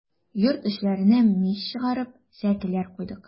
Йорт эчләренә мич чыгарып, сәкеләр куйдык.